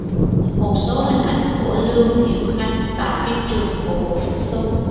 một số hình ảnh của lưu hiểu khánh tại phim trường của bộ phim xu